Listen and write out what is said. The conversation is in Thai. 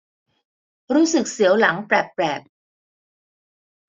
รู้สึกเสียวหลังแปลบแปลบ